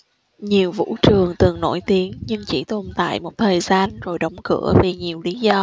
nhiều vũ trường từng nổi tiếng nhưng chỉ tồn tại một thời gian rồi đóng cửa vì nhiều lý do